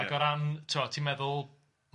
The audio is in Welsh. ...ag o ran ti'bod ti'n meddwl... Ia